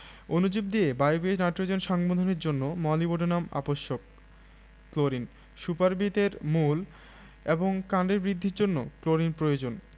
অণুজীব দিয়ে বায়বীয় নাইট্রোজেন সংবন্ধনের জন্য মোলিবডেনাম আবশ্যক ক্লোরিন সুপারবিট এর মূল এবং কাণ্ডের বৃদ্ধির জন্য ক্লোরিন প্রয়োজন